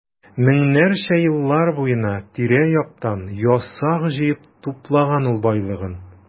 Меңнәрчә еллар буена тирә-яктан ясак җыеп туплаган ул байлыгын.